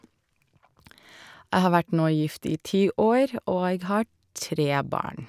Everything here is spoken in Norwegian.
Jeg har vært nå gift i ti år, og har tre barn.